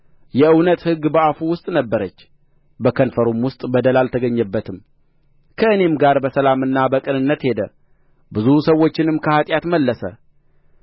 የእውነት ሕግ በአፉ ውስጥ ነበረች በከንፈሩም ውስጥ በደል አልተገኘበትም ከእኔም ጋር በሰላምና በቅንነት ሄደ ብዙ ሰዎችንም ከኃጢአት መለሰ